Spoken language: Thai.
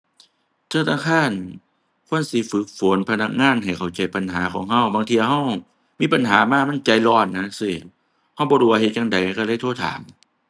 ธนาคารควรสิฝึกฝนพนักงานเข้าใจปัญหาของเราบางเที่ยเรา มีปัญหามามันใจร้อนนะจั่งซี้ เราบ่รู้ว่าเฮ็ดจั่งใดเราเลยโทรถาม